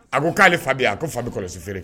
A ko k'ale fa a ko fa bɛ kɔlɔsi feereere